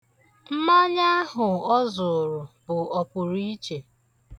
Mmanya ahụ ọ zụụrụ bụ ọpụrụiche.